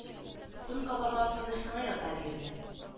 Сын кабатлап тыныч кына ята бирде